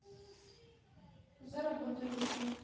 заработай уже